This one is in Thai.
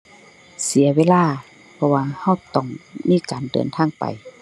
เสียเวลา เพราะว่าเราต้องมีการเดินทางไป